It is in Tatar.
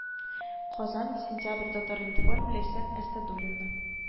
Казан сентябрь татар-информ ләйсән әсәдуллина